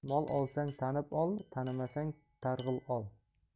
mol olsang tanib ol tanimasang targ'il ol